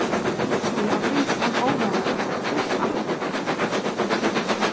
eg havi fingið tann óvana at taka upp aftur eftir fólki